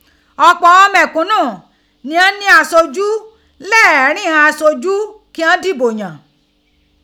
Ọ̀pọ̀ ighan mẹ̀kúnù ni ghan ní aṣojú leeeerín ighan aṣojú kí ghan dìbò yàn